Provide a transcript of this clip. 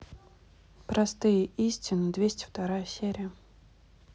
простые истины двести вторая серия